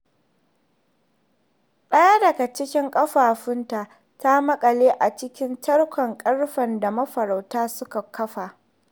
ɗaya daga cikin ƙafafunta ta maƙale a cikin tarkon ƙarfe da mafarauta suka kafa.